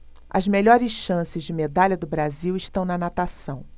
as melhores chances de medalha do brasil estão na natação